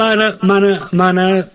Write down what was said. ...ma' 'na ma' 'na ma' 'na